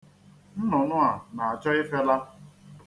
Nnụnụ a na-achọ ịfela.